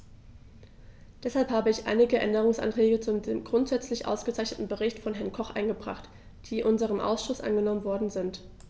Deshalb habe ich einige Änderungsanträge zu dem grundsätzlich ausgezeichneten Bericht von Herrn Koch eingebracht, die in unserem Ausschuss angenommen worden sind.